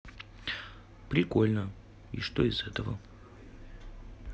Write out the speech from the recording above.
прикольно и что из этого